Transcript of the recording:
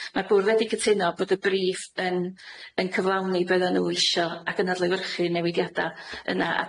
Ma'r bwrdd wedi cytuno bod y briff yn yn cyflawni be' oddan nw isio, ac yn adlewyrchu newidiada yna, a-